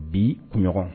Bi kunɲɔgɔn